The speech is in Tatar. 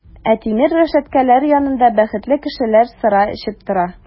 Ә тимер рәшәткәләр янында бәхетле кешеләр сыра эчеп тора!